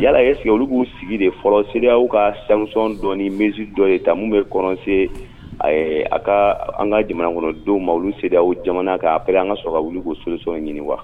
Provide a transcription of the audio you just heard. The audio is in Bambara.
yalala ye sigi olu'u sigi de fɔlɔ seerew ka san dɔɔni min dɔ de ta minnu bɛ kɔrɔnse a ka an ka jamana kɔnɔdenw ma olu se u jamana ka'apere an ka sɔrɔ olu ko sosɔn ɲini wa